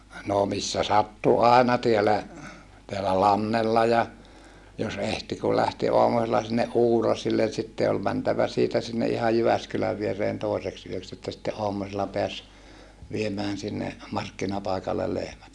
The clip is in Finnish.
no missä sattui aina täällä täällä Lannella ja jos ehti kun lähti aamusella sinne Uuraisille sitten oli mentävä siitä sinne ihan Jyväskylän viereen toiseksi yöksi että sitten aamusella pääsi viemään sinne markkinapaikalle lehmät